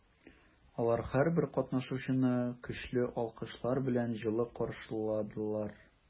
Алар һәрбер катнашучыны көчле алкышлар белән җылы каршыладылар.